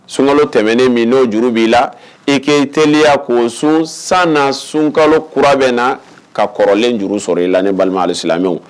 Sunka tɛmɛnen min n'o juru b'i la i k'e teliya ko sun san sunka kura bɛ na ka kɔrɔlen juru sɔrɔ i la ni balima alisi